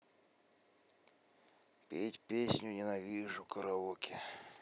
петь песню ненавижу караоке